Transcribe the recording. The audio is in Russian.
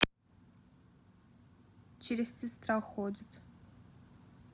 через сестра ходит